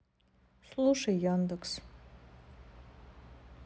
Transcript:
слушай яндекс